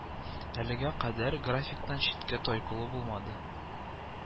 Әлегә кадәр графиктан читкә тайпылу булмады